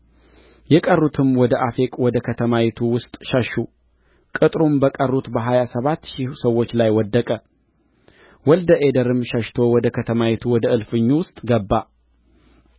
የቀሩትም ወደ አፌቅ ወደ ከተማይቱ ውስጥ ሸሹ ቅጥሩም በቀሩት በሀያ ሰባት ሺህ ሰዎች ላይ ወደቀ ወልደ አዴርም ሸሽቶ ወደ ከተማይቱ ወደ እልፍኙ ውስጥ ገባ